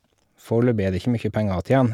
Foreløpig er det ikke mye penger å tjene.